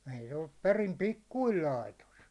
ei se ollut perin pikkuinen laitos